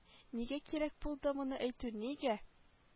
Нигә кирәк булды моны әйтү нигә